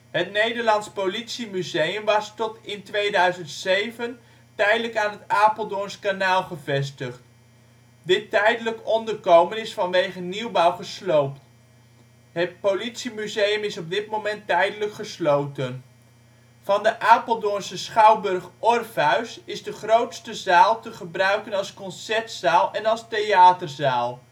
Het Nederlands Politiemuseum was tot in 2007 tijdelijk aan het Apeldoorns Kanaal gevestigd. Dit tijdelijk onderkomen is vanwege nieuwbouw gesloopt. Het politiemuseum is op dit moment (tijdelijk) gesloten. Van de Apeldoornse Schouwburg Orpheus is de grootste zaal te gebruiken als concertzaal en als theaterzaal